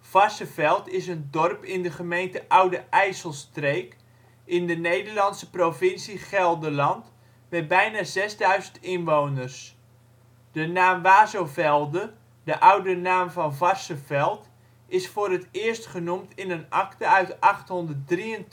Varsseveld is een dorp in de gemeente Oude IJsselstreek in de Nederlandse provincie Gelderland, met bijna 6000 inwoners. De naam Wazovelde, de oude naam van Varsseveld, is voor het eerst genoemd in een akte uit 823